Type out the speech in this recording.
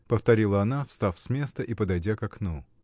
— повторила она, встав с места и подойдя к окну.